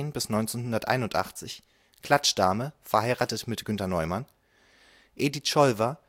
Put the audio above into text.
1981) – Klatschdame, verheiratet mit Günter Neumann Edith Schollwer